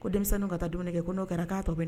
Ko denmisɛnnin ka taa dumuni kɛ ko'o kɛra k'a to